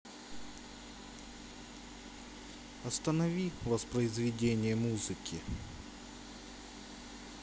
останови воспроизведение музыки